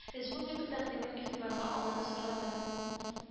Республика тәкъдимен игътибарга алуны сорады